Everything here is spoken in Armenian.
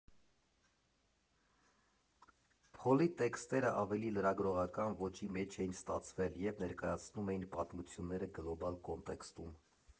Փոլի տեքստերը ավելի լրագրողական ոճի մեջ էին ստացվել և ներկայացնում էին պատմությունները գլոբալ կոնտեքստում։